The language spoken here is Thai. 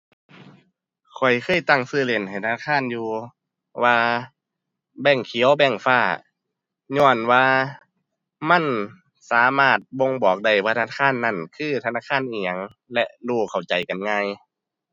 ข้อยเคยตั้งชื่อเล่นให้ธนาคารอยู่ว่าแบงก์เขียว แบงก์ฟ้า ญ้อนว่ามันสามารถบ่งบอกได้ว่าธนาคารนั้นคือธนาคารอิหยังและรู้เข้าใจกันง่าย